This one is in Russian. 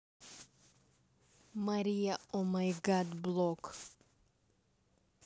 мария о май гад блок